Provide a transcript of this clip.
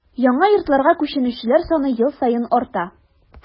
Яңа йортларга күченүчеләр саны ел саен арта.